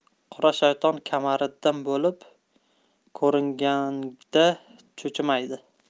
qora shayton kamariddin bo'lib ko'ringanda chuchimaydi